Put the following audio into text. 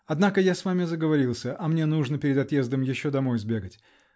Однако я с вами заговорился, а мне нужно перед отъездом еще домой сбегать.